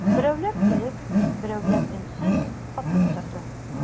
Берәүләр көлеп, берәүләр өнсез катып торды.